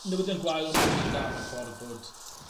...newyddion gwael on' newyddion da mewn ffordd bod